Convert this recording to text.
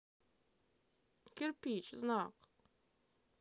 кирпич знак